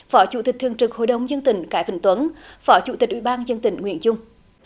phó chủ tịch thường trực hội đồng nhân dân tỉnh cái vĩnh tuấn phó chủ tịch ủy ban nhân dân tỉnh nguyễn dung